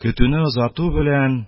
Көтүне озату белән